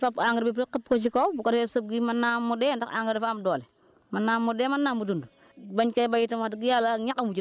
ndax am na ñoo xam ni munuñu engrais dañuy fab engrais bi yëpp rek xëpp ko si kaw bu ko defee sëb yi mën naa am mu dee ndax engrais dafa am doole mën naa am mu dee mën naa am mu dund